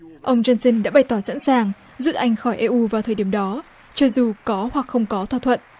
ông dôn sân đã bày tỏ sẵn sàng rút anh khỏi e u vào thời điểm đó cho dù có hoặc không có thỏa thuận